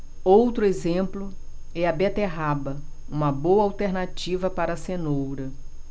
outro exemplo é a beterraba uma boa alternativa para a cenoura